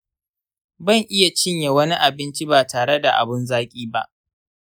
ban iya cinye wani abinci ba tare da abun zaki ba.